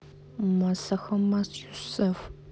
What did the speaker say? масса хамас yussef